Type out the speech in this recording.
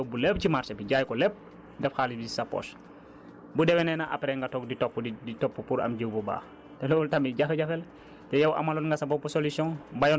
dangay bay fii am lu bëri yow doo xalaat leneen lu dul yóbbu lépp ci marché bi jaay ko lépp def xaalis bi si sa poche bu déwénee nag après nga toog di topp di topp pour am jiwu bu baax